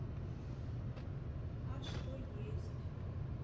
а что есть